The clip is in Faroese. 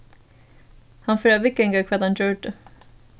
hann fer at viðganga hvat hann gjørdi